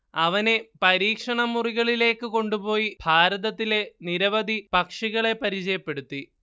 അവനെ പരീക്ഷണമുറികളിലേക്കു കൊണ്ടുപോയി ഭാരതത്തിലെ നിരവധി പക്ഷികളെ പരിചയപ്പെടുത്തി